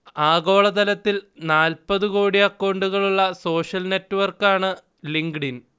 ആഗോളതലത്തിൽ നാല്പത് കോടി അക്കൗണ്ടുകളുള്ള സോഷ്യൽ നെറ്റ്വർക്കാണ് ലിങ്കഡ്ഇൻ